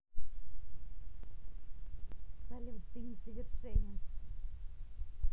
салют ты несовершенен